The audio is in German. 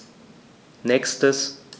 Nächstes.